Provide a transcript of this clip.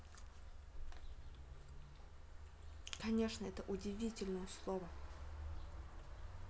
конечно это удивительное слово